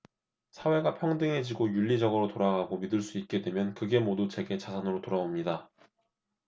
사회가 평등해지고 윤리적으로 돌아가고 믿을 수 있게 되면 그게 모두 제게 자산으로 돌아옵니다